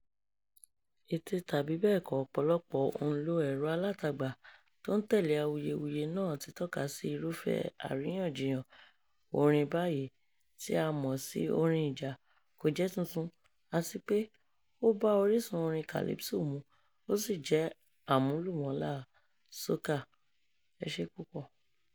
Ète tàbí bẹ́ẹ̀ kọ́, ọ̀pọ̀lọpọ̀ òǹlo ẹ̀rọ-alátagbà tó ń tẹ̀lé awuyewuye náà ti tọ́ka sí irúfẹ́ àríyànjiyàn orin báyìí (tí a mọ̀ sí "orin ìjà") kò jẹ́ tuntun; àti pé, ó bá orísun orin calypso mu, ó sì jẹ́ àmúlùmálà, soca.